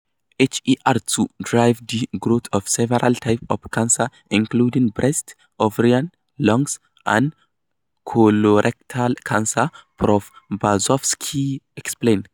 HER2 "drives the growth of several types of cancer," including breast, ovarian, lung and colorectal cancers, Prof Berzofsky explained.